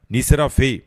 N'i ser'a fɛ yen